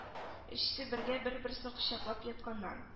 Өчесе бергә бер-берсен кочаклап ятканнар